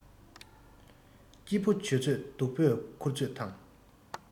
སྐྱིད པོ བྱེད ཚོད སྡུག པོའི འཁུར ཚོད དང